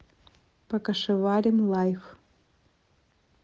покашеварим лайф